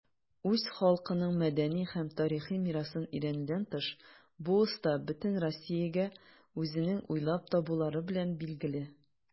Үз халкының мәдәни һәм тарихи мирасын өйрәнүдән тыш, бу оста бөтен Россиягә үзенең уйлап табулары белән билгеле.